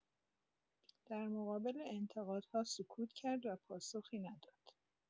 در مقابل انتقادها، سکوت کرد و پاسخی نداد.